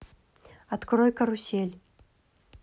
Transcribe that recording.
открой карусель